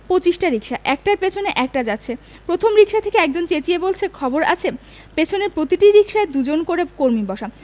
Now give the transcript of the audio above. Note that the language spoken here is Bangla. পঁচিশটা রিকশা একটার পেছনে একটা যাচ্ছে প্রথম রিকশা থেকে একজন চেঁচিয়ে বলছে খবর আছে পেছনের প্রতিটি রিকশায় দু জন করে কর্মী বসা